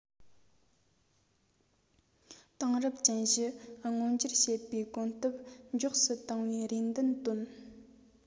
དེང རབས ཅན བཞི མངོན འགྱུར བྱེད པའི གོམ སྟབས མགྱོགས སུ གཏོང བའི རེ འདུན བཏོན